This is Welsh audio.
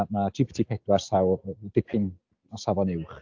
ma' GPT pedwar sawl... dipyn o safon uwch.